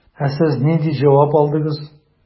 Ә сез нинди җавап алдыгыз?